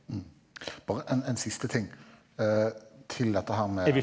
bare en en siste ting til dette her med.